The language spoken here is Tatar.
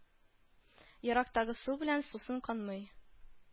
Ерактагы су белән сусын канмый